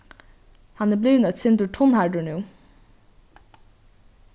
hann er blivin eitt sindur tunnhærdur nú